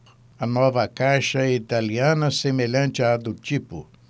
a nova caixa é italiana semelhante à do tipo